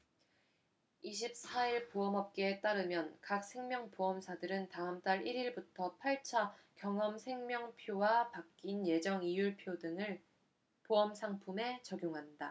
이십 사 일 보험업계에 따르면 각 생명보험사들은 다음달 일 일부터 팔 차 경험생명표와 바뀐 예정이율 등을 보험상품에 적용한다